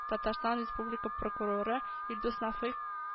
Татарстан Республика прокуроры Илдус Нафый